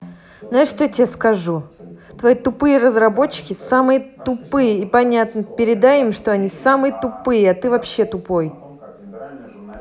знаешь что тебе я скажу твои разработчики самые тупые и понятно передай им что они самые тупые а ты вообще тупой